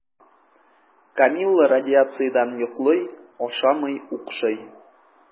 Камилла радиациядән йоклый, ашамый, укшый.